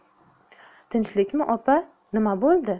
tinchlikmi opa nima bo'ldi